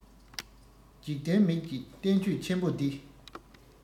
འཇིག རྟེན མིག གཅིག བསྟན བཅོས ཆེན པོ འདི